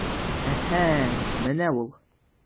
Әһә, менә ул...